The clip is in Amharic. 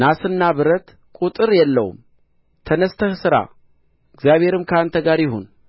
ናስና ብረት ቍጥር የለውም ተነሥተህ ሥራ እግዚአብሔርም ከአንተ ጋር ይሁን